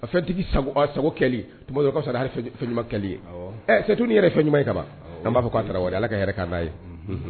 A fɛntigi sago tumasa fɛn ɲuman ye set yɛrɛ fɛn ɲuman ye ka ban an b'a fɔ'a ala ka yɛrɛ ka n'a ye